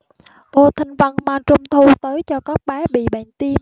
ngô thanh vân mang trung thu tới cho các bé bị bệnh tim